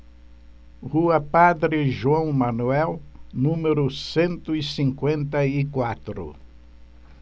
rua padre joão manuel número cento e cinquenta e quatro